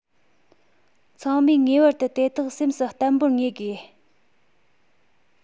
ཚང མས ངེས པར དུ དེ དག སེམས སུ བརྟན པོར ངེས དགོས